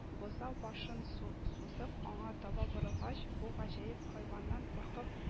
Бозау башын су сузып аңа таба борылгач, бу гаҗәеп хайваннан куркып